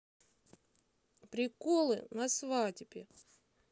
приколы на свадьбе